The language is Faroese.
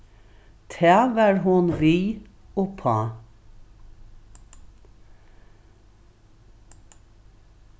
tað var hon við uppá